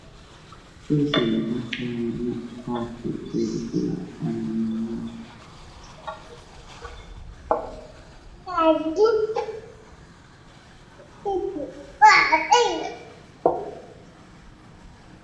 Meshn waxsaran shati beeri ah oo lalaban